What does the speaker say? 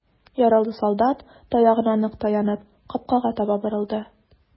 Яралы солдат, таягына нык таянып, капкага таба борылды.